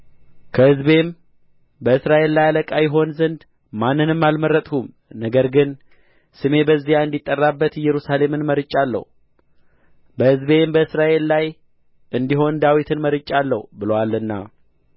በሕዝቤም በእስራኤል ላይ አለቃ ይሆን ዘንድ ማንንም አልመረጥሁም ነገር ግን ስሜ በዚያ እንዲጠራባት ኢየሩሳሌምን መርጫለሁ በሕዝቤም በእስራኤል ላይ እንዲሆን ዳዊትን መርጫለሁ ብሎአልና